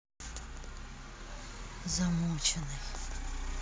замученный